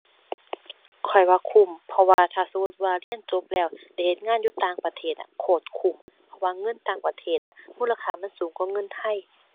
ข้อยว่าคุ้ม เพราะว่าถ้าสมมุติว่าเรียนจบแล้ว ได้เฮ็ดงานอยู่ต่างประเทศอะ โคตรคุ้ม เพราะว่าเงินต่างประเทศอะ มูลค่ามันสูงกว่าเงินไทย